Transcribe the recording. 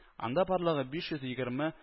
Анда барлыгы биш йөз егерме